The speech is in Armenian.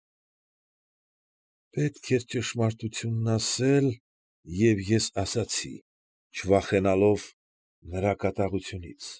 Պետք էր ճշմարտությունն ասել, և ես ասեցի, չվախենալով նրա կատաղությունից։